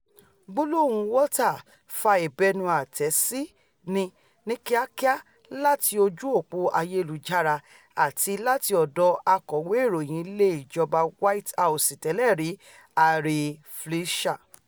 Gbólóhùn Walters fa ìbẹnuàtẹ́síni ní kíákíá láti ojú-òpó ayelujara, àti láti ọ̀dọ̀ akọ̀wé ìròyìn ilé ìjọba White House tẹ́lẹ̀rí Ari Fleischer.